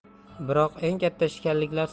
biroq eng katta ishkalliklar